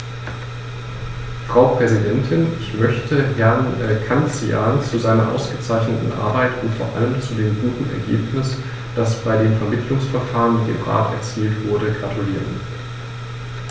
Frau Präsidentin, ich möchte Herrn Cancian zu seiner ausgezeichneten Arbeit und vor allem zu dem guten Ergebnis, das bei dem Vermittlungsverfahren mit dem Rat erzielt wurde, gratulieren.